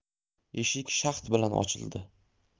eshik shaxt bilan ochildi